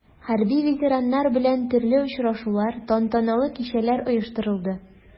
Хәрби ветераннар белән төрле очрашулар, тантаналы кичәләр оештырылды.